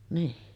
niin